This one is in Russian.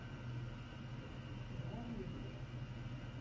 сериал невестка